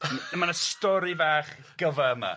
m- a ma' 'na stori fach gyfa yma.